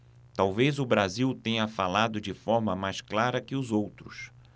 talvez o brasil tenha falado de forma mais clara que os outros